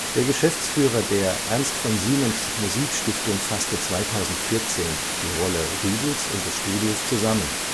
Der Geschäftsführer der Ernst von Siemens Musikstiftung fasste 2014 die Rolle Riedls und des Studios zusammen